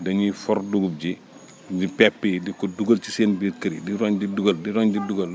dañuy for dugub ji indi pepp yi di ko dugal ci seen biir kër yi di roñ di dugal di roñ di dugal